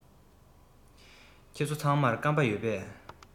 ཁྱེད ཚོ ཚང མར སྐམ པ ཡོད པས